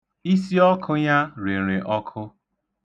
Isiọkụ ya rere ọkụ.